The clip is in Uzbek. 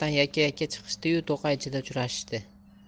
yakka yakka chiqishdi yu to'qay ichida uchrashishdi